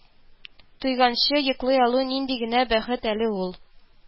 Туйганчы йоклый алу нинди генә бәхет әле ул